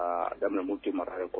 Ka daminɛ Mopti mara kɔnɔ